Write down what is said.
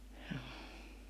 joo